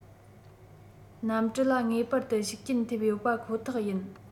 གནམ གྲུ ལ ངེས པར དུ ཤུགས རྐྱེན ཐེབས ཡོད པ ཁོ ཐག ཡིན